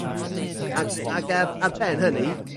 Ffycin 'ell ok. Ag ag ar ar ben hynny